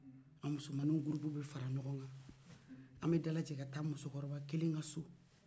an musomaniw gurupu bɛ fara ɲɔgɔn kan an bɛ dalajɛ ka taa musokɔrɔba kelen ka so